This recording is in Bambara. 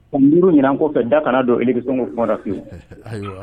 San 5 ɲinan kɔfɛ da kana don élection na feyewu.